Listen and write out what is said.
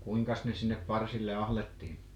kuinkas ne sinne parsille ahdettiin